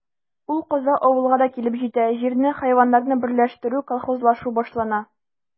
Ул каза авылга да килеп җитә: җирне, хайваннарны берләштерү, колхозлашу башлана.